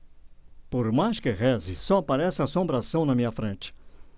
por mais que reze só aparece assombração na minha frente